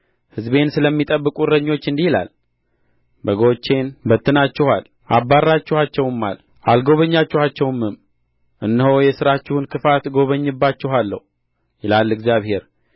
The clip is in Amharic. ሕዝቤን ስለሚጠብቁ እረኞች እንዲህ ይላል በጎቼን በትናችኋል አባርራችኋቸውማል አልጐበኛችኋቸውምም እነሆ የሥራችሁን ክፋት እጐበኝባችኋለሁ ይላል እግዚአብሔር